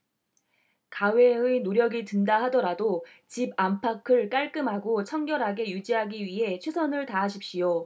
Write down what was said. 가외의 노력이 든다 하더라도 집 안팎을 깔끔하고 청결하게 유지하기 위해 최선을 다하십시오